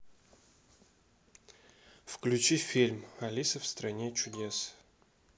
включи фильм алиса в стране чудес